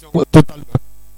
Ko taa